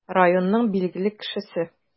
Районның билгеле кешесе.